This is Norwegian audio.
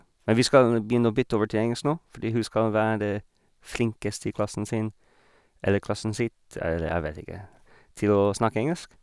Men vi skal begynne å bytte over til engelsk nå, fordi hun skal være flinkest i klassen sin, eller klassen sitt, eller jeg vet ikke, til å snakke engelsk.